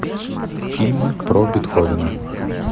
фильмы про бетховена